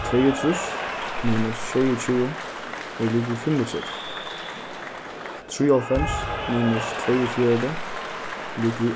tveyogtrýss minus sjeyogtjúgu er ligvið fimmogtretivu trýoghálvfems minus tveyogfjøruti ligvið